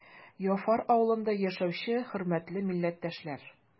Яфар авылында яшәүче хөрмәтле милләттәшләр!